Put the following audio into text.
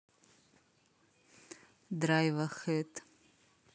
драйва хэд